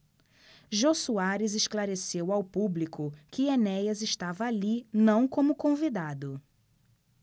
jô soares esclareceu ao público que enéas estava ali não como convidado